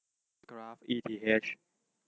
กราฟอีทีเฮช